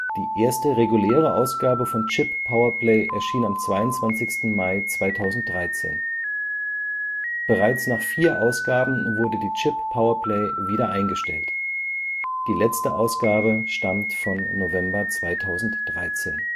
Die erste reguläre Ausgabe von Chip Power Play erschien am 22. Mai 2013. Bereits nach vier Ausgaben wurde die Chip Power Play wieder eingestellt. Die letzte Ausgabe stammt von November 2013